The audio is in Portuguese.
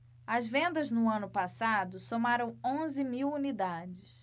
as vendas no ano passado somaram onze mil unidades